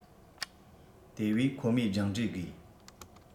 དེ བས ཁོ མོའི སྦྱངས འབྲས དགོས